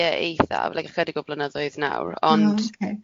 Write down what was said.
Ie eitha like ychydig o blynyddoedd nawr ond... O ocê.